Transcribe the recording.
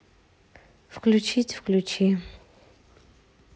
включить включи